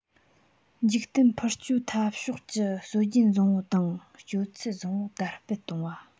འཇིག རྟེན འཕུར སྐྱོད འཐབ ཕྱོགས ཀྱི སྲོལ རྒྱུན བཟང པོ དང སྤྱོད ཚུལ བཟང པོ དར སྤེལ བཏང བ